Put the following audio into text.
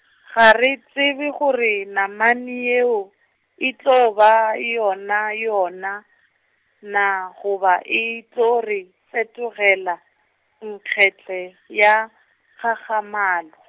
ga re tsebe gore namane yeo, e tlo ba yonayona na goba e tlo re fetogela, nkgele ya kgakgamalo.